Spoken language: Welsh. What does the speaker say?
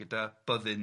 ...gyda byddin